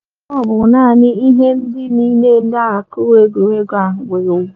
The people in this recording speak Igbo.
Ọ bụ naanị ihe ndị niile na-akụ egwuregwu a nwere ugbu a.